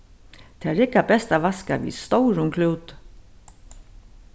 tað riggar best at vaska við stórum klúti